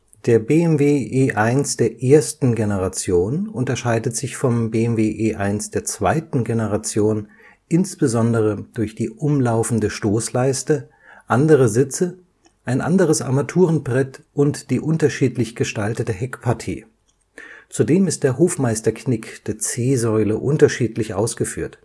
Der BMW E1 der ersten Generation (Pressefotos zeigen den Wagen oft in roter Lackierung mit dem amtlichen Kennzeichen M-DA 8375) unterscheidet sich vom BMW E1 der zweiten Generation (Pressefotos zeigen den Wagen in grüner (Kennzeichen: M-JE 9483) oder roter Lackierung (Kennzeichen: M-JE 9482)) insbesondere durch die umlaufende Stoßleiste, andere Sitze, ein anderes Armaturenbrett und die unterschiedlich gestaltete Heckpartie. Zudem ist der Hofmeister-Knick der C-Säule unterschiedlich ausgeführt